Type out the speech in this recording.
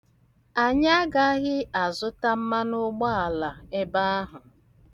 Anyị agaghị azụta mmanụụgbaala ebe ahụ.